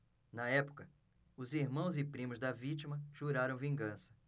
na época os irmãos e primos da vítima juraram vingança